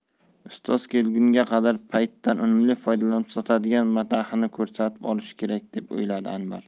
ustoz kelgunga qadar paytdan unumli foydalanib sotadigan mataxini ko'rsatib olishi kerak deb o'yladi anvar